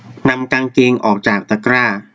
นำกางเกงออกจากตะกร้า